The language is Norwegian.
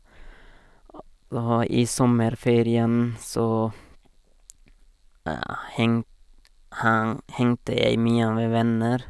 Og i sommerferien så heng hang hengte jeg mye med venner.